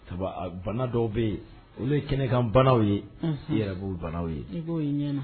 Sabu a banan dɔw bɛ yen, olu ye kɛnɛkan bananw ye, unhun, i yɛrɛ b'o bananw ye.